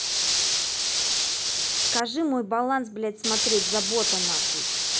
скажи мой баланс блядь смотреть забота нахуй